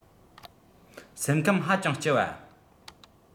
སེམས ཁམས ཧ ཅང ལྕི བ